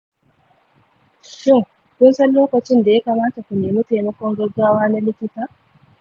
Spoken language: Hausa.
shin kun san lokacin da ya kamata ku nemi taimakon gaggawa na likita?